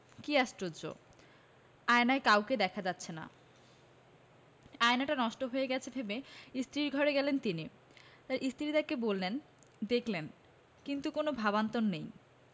কী আশ্চর্য আয়নায় কাউকেই দেখা যাচ্ছে না আয়নাটা নষ্ট হয়ে গেছে ভেবে স্ত্রীর ঘরে গেলেন তিনি তাঁর স্ত্রী তাঁকে বললেন দেখলেন কিন্তু কোনো ভাবান্তর নেই